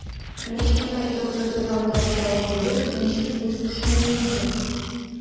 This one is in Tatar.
Ничәмә ел бер урамда буталып йөреп ничек күз төшмәгән диген.